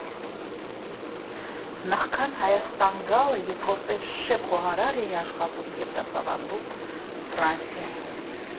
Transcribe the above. Նախքան Հայաստան գալը ես որպես շեֆ֊խոհարար էի աշխատում և դասավանդում Ֆրանսիայում։